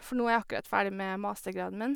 For nå er jeg akkurat ferdig med mastergraden min.